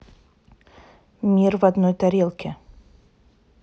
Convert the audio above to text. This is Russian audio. мир в одной тарелке